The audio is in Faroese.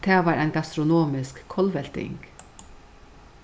og tað var ein gastronomisk kollvelting